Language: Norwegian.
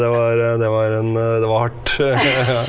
det var det var en det var hardt .